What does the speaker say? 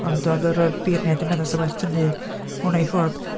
Ond oedd yr, yy, beirniaid yn meddwl 'sa'n well tynnu hwnna i ffwrdd.